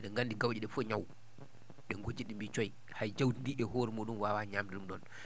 e?en nganndi gaw?e ?e fof ñaw ?e gojji ?e mbi cooy hay jawdi ndi e hoore mu?um waawaa ñaamde ?um ?oon